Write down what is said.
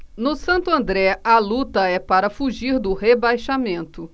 no santo andré a luta é para fugir do rebaixamento